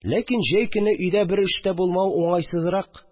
Ләкин җәй көне өйдә бер эш тә булмау уңайсызрак